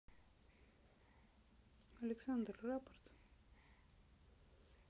александр рапопорт